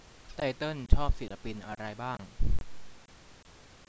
ไตเติ้ลชอบศิลปินอะไรบ้าง